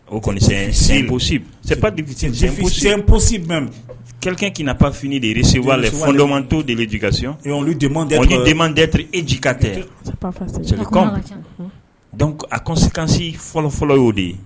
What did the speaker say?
O kɔnisipsi kɛrɛkinapfini dere sewale fdɔnmatɔ de bɛ ji kasi ni denman tɛ eji ka tɛ a kosikansi fɔlɔfɔlɔ y'o de ye